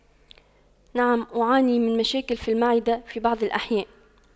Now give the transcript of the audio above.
نعم أعاني من مشاكل في المعدة في بعض الأحيان